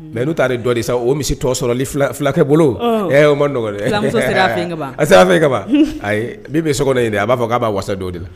Mais n'u t'a de dɔ de sa, o misi tɔ sɔrɔli fula fulakɛ bolo; Ɔɔ; Ɛɛ o ma nɔgɔ dɛ ;Fulamuso sera a fɛ yen ka ban;A sera fɛ yen ka ban? Ayi min bɛ so kɔnɔ in de, a b'a fɔ k'a' b'a wasa don o de la.